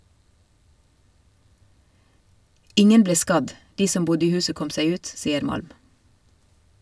- Ingen ble skadd, de som bodde i huset kom seg ut, sier Malm.